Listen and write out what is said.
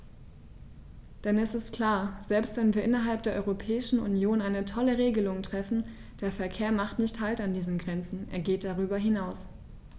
Denn es ist klar: Selbst wenn wir innerhalb der Europäischen Union eine tolle Regelung treffen, der Verkehr macht nicht Halt an diesen Grenzen, er geht darüber hinaus.